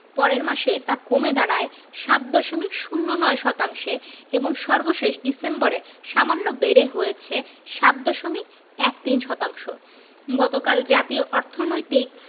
পরের মাসে তা কমে দাঁড়ায় ৭ দশমিক ০৯ শতাংশে এবং সর্বশেষ ডিসেম্বরে সামান্য বেড়ে হয়েছে ৭ দশমিক ১৩ শতাংশ গতকাল জাতীয় অর্থনৈতিক